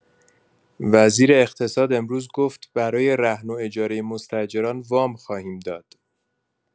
وزیر اقتصاد امروز گفت: برای رهن و اجاره مستاجران وام خواهیم داد.